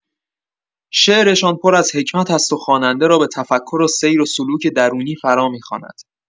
شعرشان پر از حکمت است و خواننده را به تفکر و سیر و سلوک درونی فرامی‌خواند.